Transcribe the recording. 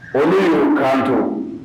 Olu y'u kanto